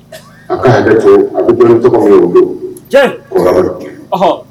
Tɔgɔ